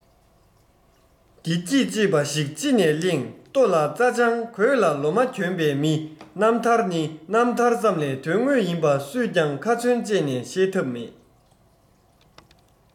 བདེ སྐྱིད ཅེས པ ཞིག ཅི ནས གླེང ལྟོ ལ རྩྭ ལྗང གོས ལ ལོ མ གྱོན པའི མི རྣམ ཐར ནི རྣམ ཐར ཙམ ལས དོན དངོས ཡིན པ སུས ཀྱང ཁ ཚོན བཅད ནས བཤད ཐབས མེད